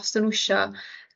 ...os 'dy n'w isio